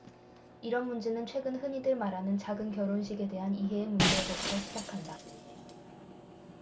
이런 문제는 최근 흔히들 말하는 작은 결혼식에 대한 이해의 문제에서부터 시작한다